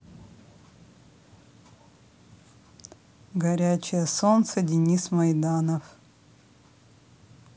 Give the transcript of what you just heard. горячее солнце денис майданов